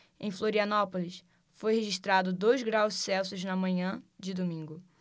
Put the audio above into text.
em florianópolis foi registrado dois graus celsius na manhã de domingo